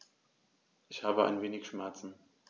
Ich habe ein wenig Schmerzen.